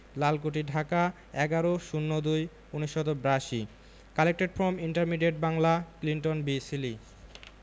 Lalkuthi Dhaka ১১ ০২ ১৯৮২ collected from intermediate Bangla Clinton B Seely